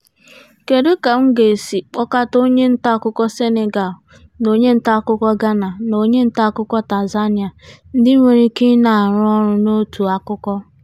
"Kedu ka m ga-esi kpọkọta onye ntaakụkọ Senegal, na onye ntaakụkọ Ghana na onye ntaakụkọ Tanzania ndị nwere ike ị na-arụ ọrụ n'otu akụkọ?